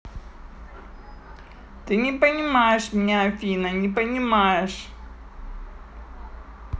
ты не понимаешь меня афина не понимаешь